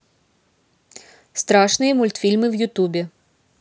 страшные мультфильмы в ютубе